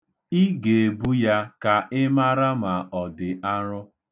Ị ga-ebu ya ka ị mara ma ọ dị arọ.